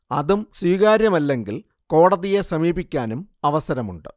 അതും സ്വീകാര്യമല്ലെങ്കിൽ കോടതിയെ സമീപിക്കാനും അവസരമുണ്ട്